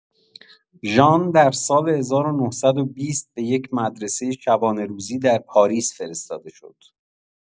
ژان در سال ۱۹۲۰ به یک مدرسه شبانه‌روزی در پاریس فرستاده شد.